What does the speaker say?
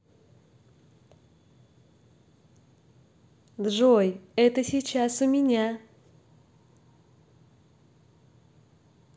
джой это сейчас у меня